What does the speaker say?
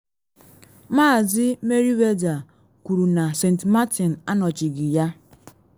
Maazị Merriweather kwuru na St. Martin anọchighi ya.